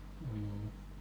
mm